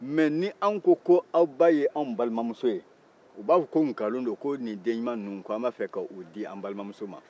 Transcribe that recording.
nka n'anw ko k'a' ba y'anw balimamuso ye u b'a fɔ ko nkalon don ko nin den ɲuman ninnu k'an b'a fɛ k'u d'an balimamuso ma